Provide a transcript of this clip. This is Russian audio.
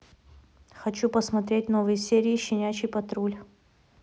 хочу посмотреть новые серии щенячий патруль